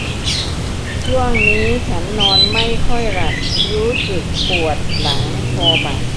ช่วงนี้ฉันนอนไม่ค่อยหลับรู้สึกปวดหลังคอบ่า